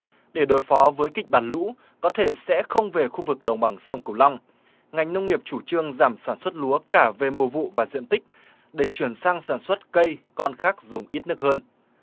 để đối phó với kịch bản lũ có thể sẽ không về khu vực đồng bằng sông cửu long ngành nông nghiệp chủ trương giảm sản xuất lúa cả về mùa vụ và diện tích để chuyển sang sản xuất cây con khác dùng ít nước hơn